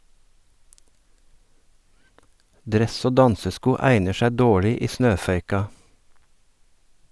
Dress og dansesko egner seg dårlig i snøføyka.